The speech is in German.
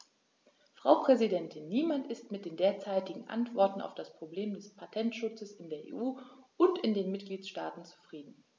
Frau Präsidentin, niemand ist mit den derzeitigen Antworten auf das Problem des Patentschutzes in der EU und in den Mitgliedstaaten zufrieden.